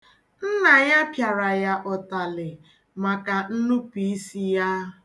Nna ya pịara ya ụtalị maka nnupụisi ya.